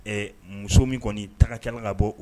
Ɛ muso min kɔni tagakɛla ka bɔ